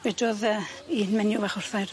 Wedodd yy un menyw fach wrthai...